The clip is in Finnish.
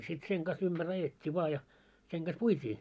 sitten sen kanssa ympäri ajettiin vain ja sen kanssa puitiin